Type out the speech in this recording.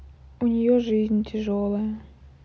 у нее жизнь тяжелая